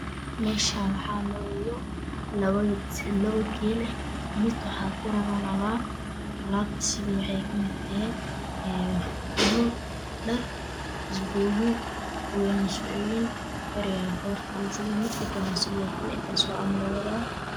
Meshan waxa marocain Labogel mid waxa ka roran Allab allabta sida waxeykamidtahay Ee gogol dhar isbunyo wada nuscuriyinah yar yar midka kalane sidokale intas sokal luwada